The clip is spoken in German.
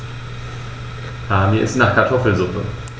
Mir ist nach Kartoffelsuppe.